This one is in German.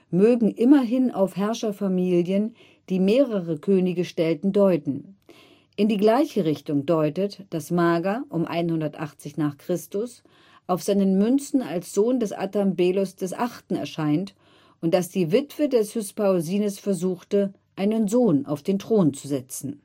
mögen immerhin auf Herrscherfamilien, die mehrere Könige stellten, deuten. In die gleiche Richtung deutet, dass Maga (um 180 n. Chr) auf seinen Münzen als Sohn des Attambelos VIII. erscheint und dass die Witwe des Hyspaosines versuchte einen Sohn auf den Thron zu setzen